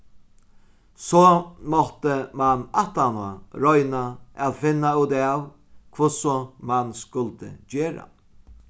so mátti mann aftaná royna at finna út av hvussu mann skuldi gera